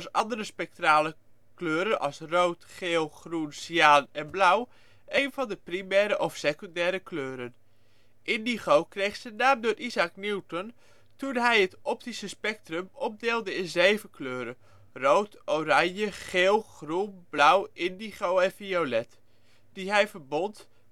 andere spectrale kleuren als rood, geel, groen, cyaan en blauw één van de primaire of secundaire kleuren. Indigo kreeg zijn naam door Isaac Newton toen hij het optische spectrum opdeelde in zeven kleuren: rood, oranje, geel, groen, blauw, indigo en violet, die hij verbond